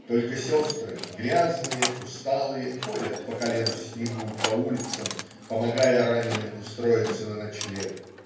Только сестры, грязные, усталые, ходят по колена в снегу по улицам, помогая раненым устроиться на ночлег.